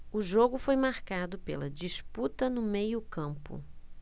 o jogo foi marcado pela disputa no meio campo